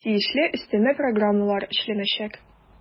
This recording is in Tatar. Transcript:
Тиешле өстәмә программалар эшләнәчәк.